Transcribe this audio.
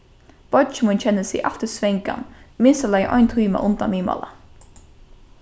beiggi mín kennir seg altíð svangan í minsta lagi ein tíma undan miðmála